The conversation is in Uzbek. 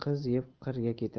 qiz yeb qirga ketar